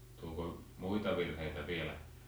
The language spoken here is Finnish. tuliko muita virheitä vielä